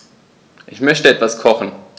Ich möchte etwas kochen.